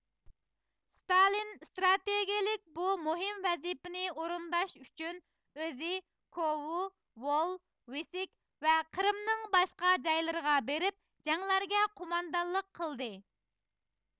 ستالىن ئىستراتېگىيىلىك بۇ مۇھىم ۋەزىپىنى ئورۇنداش ئۈچۈن ئۆزى كوۋو ۋول ۋىسك ۋە قىرىمنىڭ باشقا جايلىرىغا بېرىپ جەڭلەرگە قوماندانلىق قىلدى